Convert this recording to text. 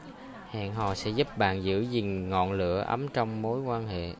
hẹn hò sẽ giúp bạn giữ gìn ngọn lửa ấm trong mối quan hệ